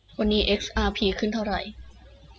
วันนี้เอ็กอาร์พีขึ้นเท่าไหร่